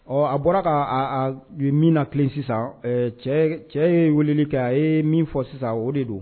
Ɔ a bɔra ka min na kelen sisan cɛ ye weleli kɛ a ye min fɔ sisan o de don